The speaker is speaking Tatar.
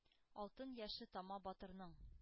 Алтын яше тама батырның.